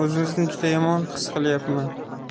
o'zimni juda yomon his qilayapman